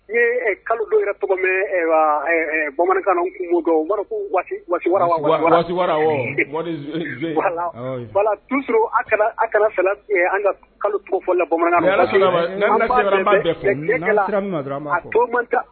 N kalo don tɔgɔ bamanan kalo